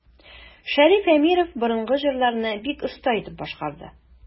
Шәриф Әмиров борынгы җырларны бик оста итеп башкарды.